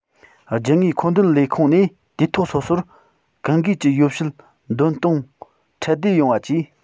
རྒྱུ དངོས མཁོ འདོན ལས ཁུངས ནས དུས ཐོག སོ སོར གང དགོས ཀྱི ཡོ བྱད འདོན གཏོང འཕྲལ བདེ ཡོང བ གྱིས